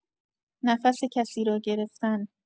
نفس کسی را گرفتن